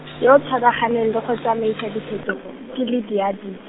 yo o tshwaraganeng le go tsamaisa diphetogo, ke Lydia Bi-.